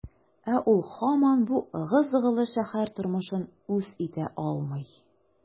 Ә ул һаман бу ыгы-зыгылы шәһәр тормышын үз итә алмый.